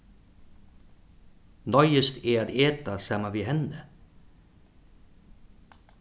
noyðist eg at eta saman við henni